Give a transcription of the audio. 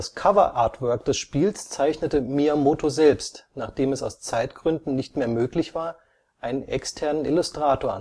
Cover-Artwork des Spiels zeichnete Miyamoto selbst, nachdem es aus Zeitgründen nicht mehr möglich war, einen externen Illustrator